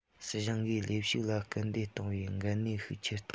སྲིད གཞུང གིས ལས ཞུགས ལ སྐུལ འདེད གཏོང བའི འགན ནུས ཤུགས ཆེར བཏང